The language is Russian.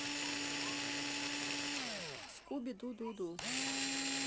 скуби ду ду ду